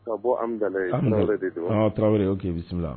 Ka bɔ an t tarawele y'o tilebisu la